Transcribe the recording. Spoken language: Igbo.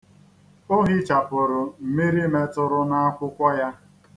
O hichapụrụ mmiri metụrụ n'akwụkwọ ya.